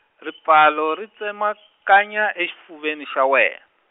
ripfalo ri tsemakanya exifuveni xa we-.